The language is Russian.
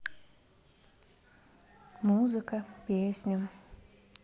музыка песня